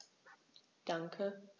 Danke.